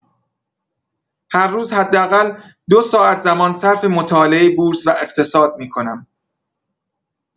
هر روز حداقل دو ساعت زمان صرف مطالعه بورس و اقتصاد می‌کنم.